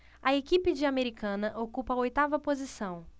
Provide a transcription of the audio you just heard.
a equipe de americana ocupa a oitava posição